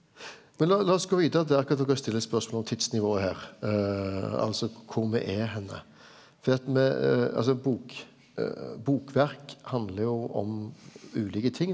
men la la oss gå vidare til akkurat dokker stiller spørsmål om tidsnivået her altså kor me er hen fordi at me altså bok bokverk handlar jo om ulike ting.